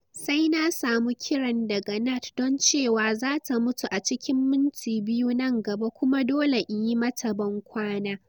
"Sai na samu kiran daga Nad don cewa za ta mutu a cikin minti biyu nan gaba kuma dole in yi mata bankwana.